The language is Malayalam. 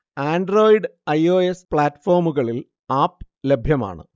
Android I. ഓ. എസ്. പ്ലാറ്റ്ഫോമുകളിൽ ആപ്പ് ലഭ്യമാണ്